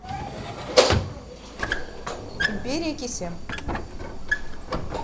империя кесем